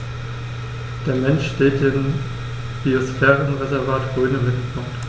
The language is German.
Der Mensch steht im Biosphärenreservat Rhön im Mittelpunkt.